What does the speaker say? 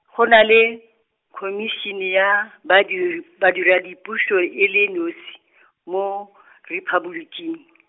go na le, khomisene ya, badiri, badiredipuso e le nosi , mo , Rephaboliking.